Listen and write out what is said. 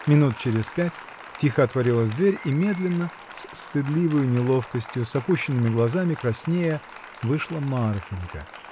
Минут через пять тихо отворилась дверь, и медленно, с стыдливою неловкостью, с опущенными глазами, краснея, вышла Марфинька.